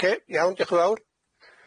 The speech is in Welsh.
Oce iawn diolch yn fawr.